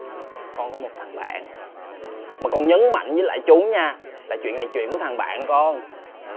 con có một thằng bạn mà con nhấn mạnh với lại chú nha là chuyện này chuyện của thằng bạn con